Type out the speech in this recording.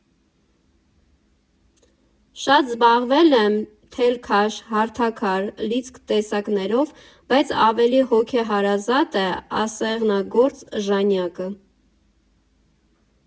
Շատ զբաղվել եմ թելքաշ, հարթակար, լիցք տեսակներով, բայց ավելի հոգեհարազատ է ասեղնագործ ժանյակը։